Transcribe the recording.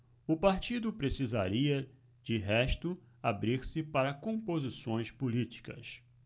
o partido precisaria de resto abrir-se para composições políticas